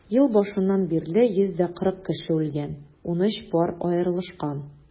Ел башыннан бирле 140 кеше үлгән, 13 пар аерылышкан.